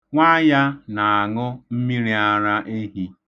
Nwa ya na-aṅụ mmiriara ehi.